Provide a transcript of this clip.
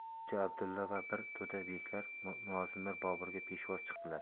xo'ja abdulla va bir to'da beklar mulozimlar boburga peshvoz chiqdilar